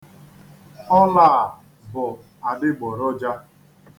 Ọla a bụ adịgboroja.